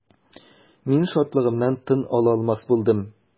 Мин шатлыгымнан тын ала алмас булдым.